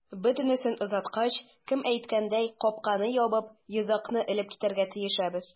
Бөтенесен озаткач, кем әйткәндәй, капканы ябып, йозакны элеп китәргә тиешбез.